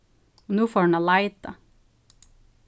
og nú fór hon at leita